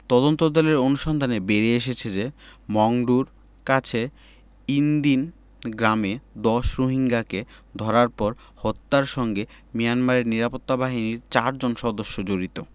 তদন্তদলের অনুসন্ধানে বেরিয়ে এসেছে যে মংডুর কাছে ইনদিন গ্রামে ১০ রোহিঙ্গাকে ধরার পর হত্যার সঙ্গে মিয়ানমারের নিরাপত্তা বাহিনীর চারজন সদস্য জড়িত